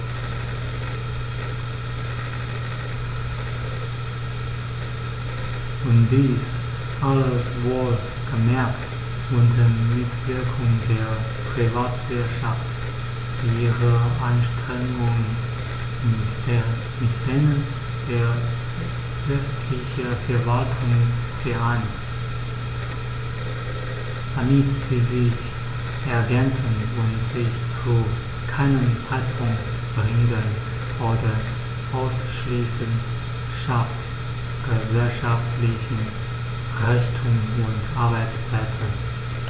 Und dies alles - wohlgemerkt unter Mitwirkung der Privatwirtschaft, die ihre Anstrengungen mit denen der öffentlichen Verwaltungen vereint, damit sie sich ergänzen und sich zu keinem Zeitpunkt behindern oder ausschließen schafft gesellschaftlichen Reichtum und Arbeitsplätze.